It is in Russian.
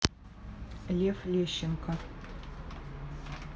лев лещенко